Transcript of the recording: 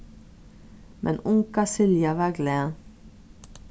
men unga silja var glað